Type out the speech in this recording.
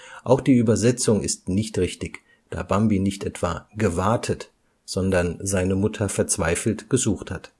Auch die Übersetzung ist nicht richtig, da Bambi nicht „ gewartet “, sondern seine Mutter verzweifelt gesucht hat